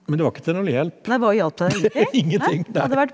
men det var ikke til noen hjelp ingenting nei.